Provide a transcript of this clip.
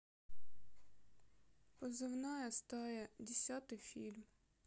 позывная стая десятый фильм